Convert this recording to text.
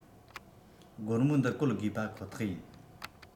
སྒོར མོ འདི བཀོལ དགོས པ ཁོ ཐག ཡིན